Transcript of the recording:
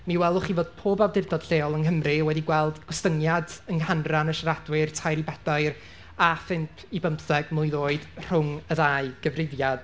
mi welwch chi fod pob awdurdod lleol yng Nghymru wedi gweld gostyngiad yng nghanran y siaradwyr, tair i bedair a phump i bymtheg mlwydd oed rhwng y ddau gyfrifiad.